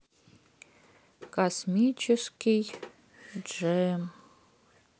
космический джем